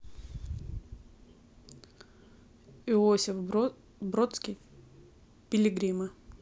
иосиф бродский пилигримы